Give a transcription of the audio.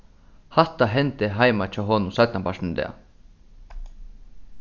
hatta hendi heima hjá honum seinnapartin í dag